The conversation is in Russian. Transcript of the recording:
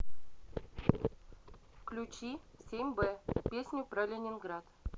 включи семь б песню про ленинград